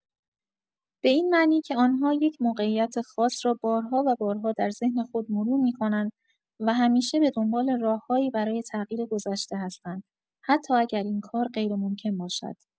به این معنی که آن‌ها یک موقعیت خاص را بارها و بارها در ذهن خود مرور می‌کنند و همیشه به دنبال راه‌هایی برای تغییر گذشته هستند، حتی اگر این کار غیرممکن باشد.